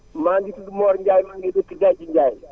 maa ngi tudd Mor Ndiaye maa ngi dëgg Diadji Ndiaye